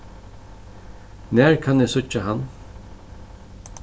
nær kann eg síggja hann